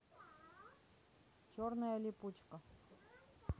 черная липучка